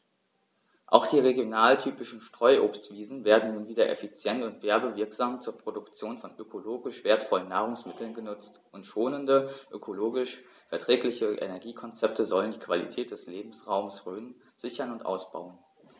Auch die regionaltypischen Streuobstwiesen werden nun wieder effizient und werbewirksam zur Produktion von ökologisch wertvollen Nahrungsmitteln genutzt, und schonende, ökologisch verträgliche Energiekonzepte sollen die Qualität des Lebensraumes Rhön sichern und ausbauen.